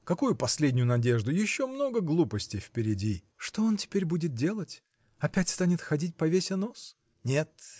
Какую последнюю надежду: еще много глупостей впереди. – Что он теперь будет делать? Опять станет ходить повеся нос? – Нет!